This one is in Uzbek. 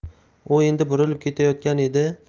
u endi burilib ketayotgan edi